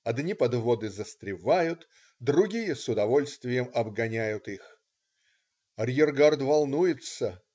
Одни подводы застревают, другие с удовольствием обгоняют их. Арьергард волнуется.